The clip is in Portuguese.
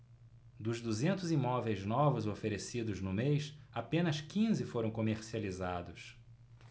dos duzentos imóveis novos oferecidos no mês apenas quinze foram comercializados